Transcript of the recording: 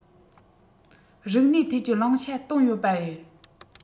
རིག གནས ཐད ཀྱི བླང བྱ བཏོན ཡོད པ རེད